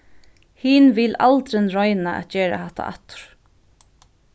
hin vil aldrin royna at gera hatta aftur